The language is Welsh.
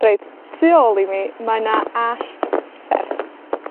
Reit, tu ôl i mi, mae 'na allt serth.